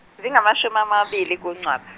zingamashumi amabili kuNcwab-.